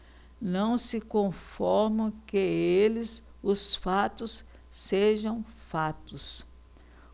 não se conformam que eles os fatos sejam fatos